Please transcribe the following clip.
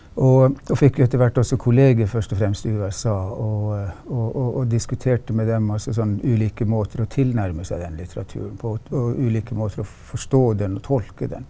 og fikk jo etterhvert også kollegaer først og fremst i USA og og og diskuterte med dem altså sånn ulike måter å tilnærme seg den litteraturen på og ulike måter å forstå den og tolke den.